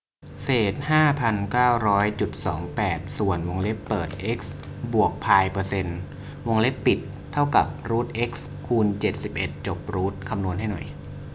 เศษห้าพันเก้าร้อยจุดสองแปดส่วนวงเล็บเปิดเอ็กซ์บวกพายเปอร์เซ็นต์วงเล็บปิดเท่ากับรูทเอ็กซ์คูณเจ็ดสิบเอ็ดจบรูทคำนวณให้หน่อย